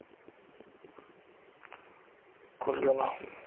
колено